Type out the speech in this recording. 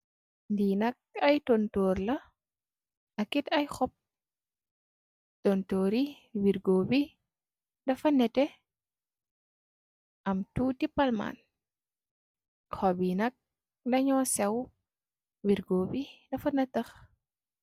Li nak aye tontorr la akit aye khub tontorr yi wergoh bi dafa neteh khunlb yi nak dafa sew